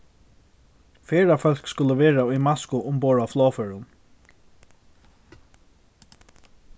ferðafólk skulu vera í masku umborð á flogførum